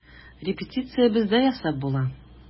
Репетиция бездә ясап була.